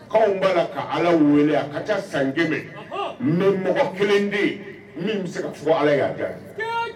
Anw b'a la ka ala weele ka ca san kɛmɛ ni mɔgɔ kelen bɛ min bɛ se ka fɔ ala y' da ye